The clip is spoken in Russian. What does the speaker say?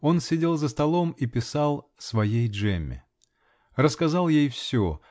Он сидел за столом и писал "своей Джемме". Рассказал ей все